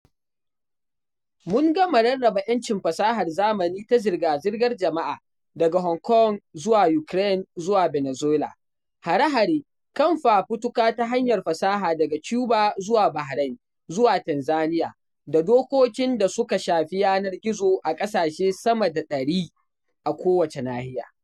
Mun gama rarraba 'yancin fasahar zamani ta zirga-zirgar jama’a daga Hong Kong zuwa Ukraine zuwa Venezuela, hare-hare kan fafutuka ta hanyar fasaha daga Cuba zuwa Bahrain zuwa Tanzania, da dokokin da suka shafi yanar gizo a ƙasashe sama da 100 a kowace nahiya.